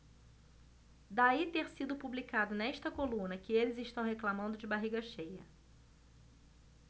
daí ter sido publicado nesta coluna que eles reclamando de barriga cheia